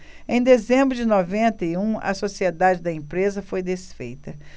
em dezembro de noventa e um a sociedade da empresa foi desfeita